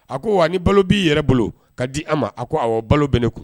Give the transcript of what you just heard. A ko wa ni balo b'i yɛrɛ bolo ka di a ma a ko aw balo bɛ ne kun